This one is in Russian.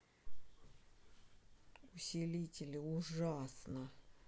усилители ужасно